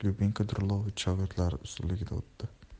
lyubinko drulovich shogirdlari ustunligida o'tdi